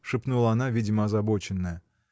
— шепнула она, видимо озабоченная.